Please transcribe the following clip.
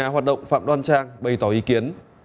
nhà hoạt động phạm đoan trang bày tỏ ý kiến